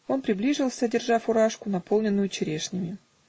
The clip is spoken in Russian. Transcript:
Он приближился, держа фуражку, наполненную черешнями.